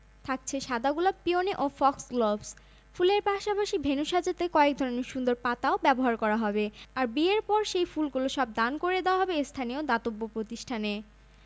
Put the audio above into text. থাকছে সাদা গোলাপ পিওনি ও ফক্সগ্লোভস ফুলের পাশাপাশি ভেন্যু সাজাতে কয়েক ধরনের সুন্দর পাতাও ব্যবহার করা হবে আর বিয়ের পর সেই ফুলগুলো সব দান করে দেওয়া হবে স্থানীয় দাতব্য প্রতিষ্ঠানে